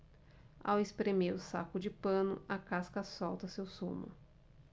ao espremer o saco de pano a casca solta seu sumo